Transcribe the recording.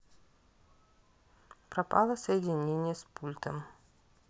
пропало соединение с пультом